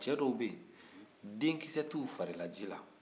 cɛ dɔw bɛ yen denkisɛ t'u farilaji la